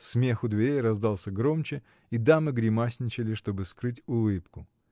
Смех у дверей раздался громче, и дамы гримасничали, чтоб скрыть улыбку.